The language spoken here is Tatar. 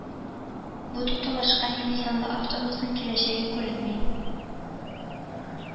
Бу тукталышка нинди санлы автобусның киләчәге күренми